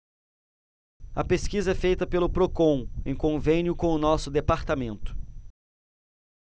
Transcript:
a pesquisa é feita pelo procon em convênio com o diese